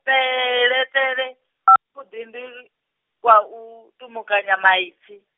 kupeleṱele, vhuḓi ndi, kwa u, tumukanya maipfi.